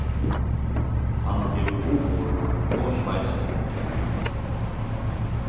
hann hevur humor og speisemi